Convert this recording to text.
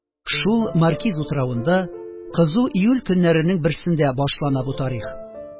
Шул маркиз утравында, кызу июль көннәренең берсендә башлана бу тарих.